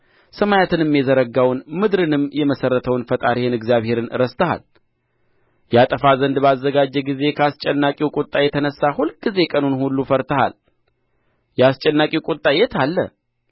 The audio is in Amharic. ሰማያትንም የዘረጋው ምድርንም የመሠረተውን ፈጣሪህን እግዚአብሔርን ረስተሃል ያጠፋ ዘንድ ባዘጋጀ ጊዜ ከአስጨናቂው ቍጣ የተነሣ ሁልጊዜ ቀኑን ሁሉ ፈርተሃል የአስጨናቂው ቍጣ የት አለ